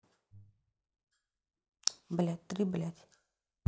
блядь три блядь